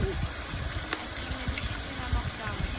Ә киемне ничек кенә мактамый